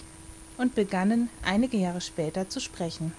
begannen einige Jahre später zu sprechen